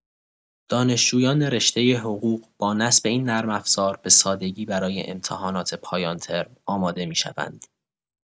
دانشجویان رشتۀ حقوق با نصب این نرم‌افزار به‌سادگی برای امتحانات پایان ترم آماده می‌شوند.